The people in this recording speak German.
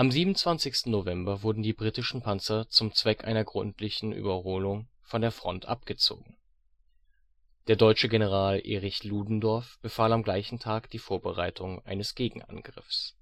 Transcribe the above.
27. November wurden die britischen Panzer zum Zweck einer gründlichen Überholung von der Front abgezogen. Der deutsche General Erich Ludendorff befahl am gleichen Tag die Vorbereitung eines Gegenangriffs